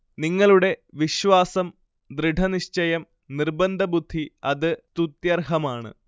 നിങ്ങളുടെ വിശ്വാസം, ദൃഢനിശ്ചയം നിർബന്ധബുദ്ധി അത് സ്തുത്യർഹമാണ്